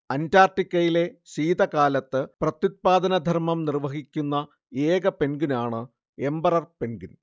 അന്റാർട്ടിക്കയിലെ ശീതകാലത്ത് പ്രത്യുത്പാദനധർമ്മം നിർവഹിക്കുന്ന ഏക പെൻഗ്വിനാണ് എമ്പറർ പെൻഗ്വിൻ